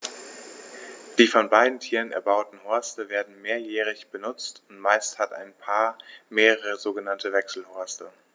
Die von beiden Tieren erbauten Horste werden mehrjährig benutzt, und meist hat ein Paar mehrere sogenannte Wechselhorste.